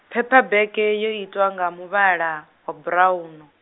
phephabege yo itwa nga muvhala, wa buraunu.